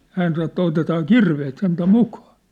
hän sanoi että otetaan kirveet sentään mukaan